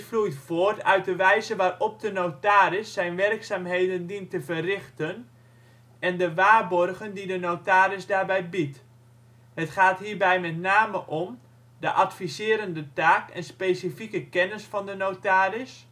vloeit voort uit de wijze waarop de notaris zijn werkzaamheden dient te verrichten en de waarborgen die de notaris daarbij biedt. Het gaat hierbij met name om: de adviserende taak en specifieke kennis van de notaris